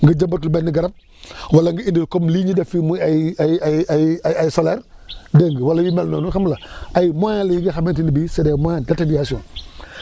nga jëmbat lu mel ne garab wala nga indi comme lii ñu def fii muy ay ay ay ay ay ay solaires dégg nga wala yu mel noonu xam nga ay moyens la yi nga xamante ne bii c' est des moyens d' atténuation